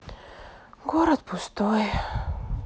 город пустой